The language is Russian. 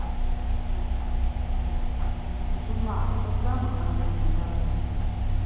жена когда мы поедем домой